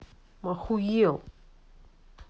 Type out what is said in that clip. охуел